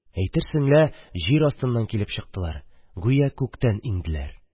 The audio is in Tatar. Әллә җир астыннан килеп чыктылар, гүя күктән иңделәр...